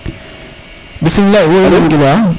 bismila wo i nan gilwa